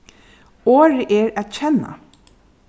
orðið er at kenna